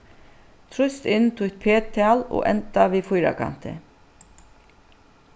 trýst inn títt p-tal og enda við fýrakanti